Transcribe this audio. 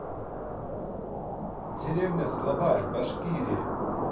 деревня слабаш башкирии